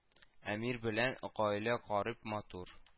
Әмир белән гаилә карып, матур